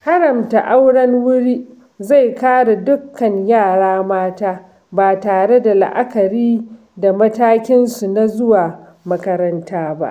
Haramta auren wurin zai kare dukkan yara mata, ba tare da la'akari da matakinsu na zuwa makaranta ba.